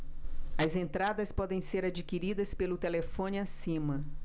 as entradas podem ser adquiridas pelo telefone acima